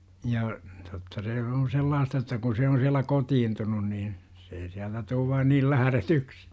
ja totta se on sellaista että kun se on siellä kotiutunut niin se ei sieltä tule vain niin lähdetyksi